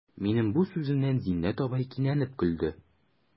Минем бу сүземнән Зиннәт абзый кинәнеп көлде.